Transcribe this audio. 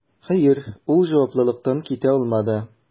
Хәер, ул җаваплылыктан китә алмады: